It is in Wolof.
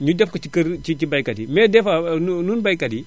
ñu def ko ci kër ci baykat yi mais dès fois ñun baykat yi